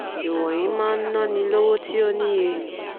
Ìwọ̀nyìí máa ń náni ní owó tí ó níye.